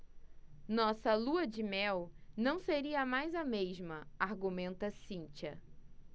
nossa lua-de-mel não seria mais a mesma argumenta cíntia